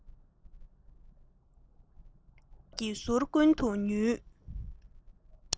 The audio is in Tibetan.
སྤྱི ཚོགས ཀྱི ཟུར ཀུན ཏུ ཉུལ